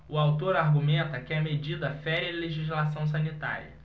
o autor argumenta que a medida fere a legislação sanitária